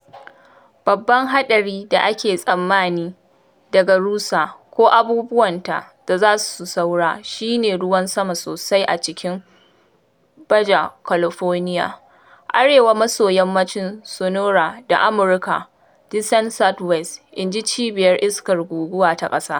Ana tsammanin wannan ruwan saman su samar da ambaliyar ruwan sama mai tasowa da zubar burbushi a cikin hamada, da yankewar ƙasa a cikin yankunan tsaunuka.